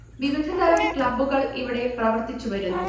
വിവധതരം ക്ലബ്ബുകൾ ഇവിടെ പ്രവർത്തിച്ച് വരുന്നു